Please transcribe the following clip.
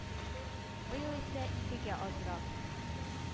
Быел исә икегә азрак.